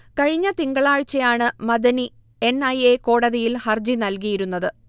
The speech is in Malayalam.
കഴിഞ്ഞ തിങ്കളാഴ്ചയാണ് മഅ്ദനി എൻ. ഐ. എ കോടതിയിൽ ഹർജി നൽകിയിരുന്നത്